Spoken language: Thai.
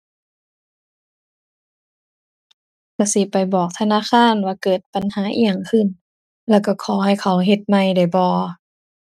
ก็สิไปบอกธนาคารว่าเกิดปัญหาอิหยังขึ้น แล้วก็ขอให้เขาเฮ็ดใหม่ได้บ่